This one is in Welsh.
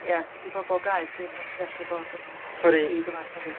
Ia tydy pobl gaeth ddim yn gallu bod yn ddigymell, nadi.